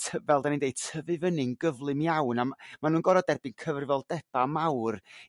t- fel dyn ni'n deud tyfu fynny'n gyflym iawn a m- ma' nhw'n gor'o' derbyn cyfrifoldeba' mawr.